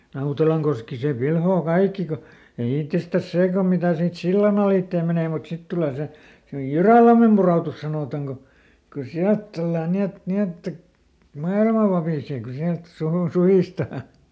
Nautelankoski se pilaa kaikki kun jo itsestään se kun mitä siitä sillan alitse menee mutta sitten tulee se Jyrälammen pudotus sanotaan kun kun sieltä tullaan niin että niin että maailma vapisee kun sieltä - suhistaan